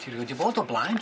Ti rioed 'di bod o'r blaen.